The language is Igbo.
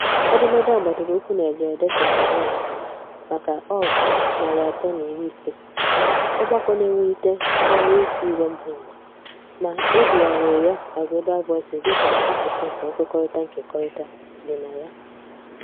Edemede a gbadoro ụkwụ n'ederede Thelma Young dere maka 350.org, ọgbakọ na-ewulite ngagharị ihuigwe mbaụwa, ma e bigharịrị ya na Global Voices dịka akụkụ nke nkwekọrịta-nkekọrịta ndịnaya.